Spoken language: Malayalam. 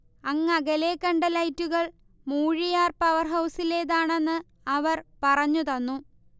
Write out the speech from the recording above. അങ്ങകലെ കണ്ട ലൈറ്റുകൾ മൂഴിയാർ പവർഹൗസിലേതാണെന്ന് അവർ പറഞ്ഞു തന്നു